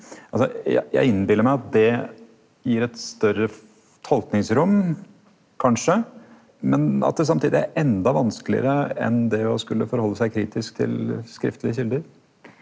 altså eg innbiller meg at det gir eit større tolkingsrom kanskje men at det samtidig er enda vanskelegare enn det å skulla forhalde seg kritisk til skriftlege kjelder.